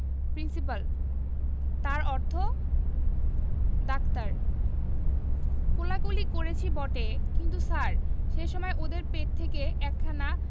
principal তার অর্থ doctor কোলাকুলি করেছি বটে কিন্তু স্যার সে সময় ওদের পেটে এক একখানা